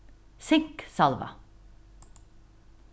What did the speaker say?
sinksalva